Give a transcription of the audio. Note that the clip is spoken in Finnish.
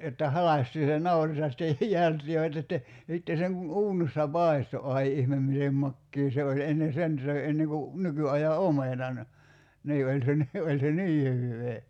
että halkaistiin se nauris ja sitten jälttivät ja sitten ja sitten sen kun uunissa paistoi ai ihme miten makea se oli ennen sen söi ennen kuin nykyajan omenan niin oli se niin oli se niin hyvää